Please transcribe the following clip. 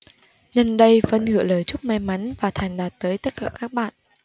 nhân đây vân gửi lời chúc may mắn và thành đạt tới tất cả các bạn